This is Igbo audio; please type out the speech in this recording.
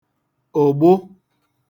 ụ̀gbụ